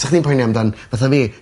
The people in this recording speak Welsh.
'Sach chdi'n poeni am dan fatha fi